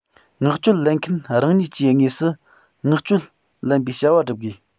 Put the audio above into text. མངགས བཅོལ ལེན མཁན རང ཉིད ཀྱིས དངོས སུ མངགས བཅོལ ལེན པའི བྱ བ བསྒྲུབ དགོས